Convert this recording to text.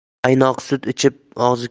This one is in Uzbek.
qaynoq sut ichib og'zi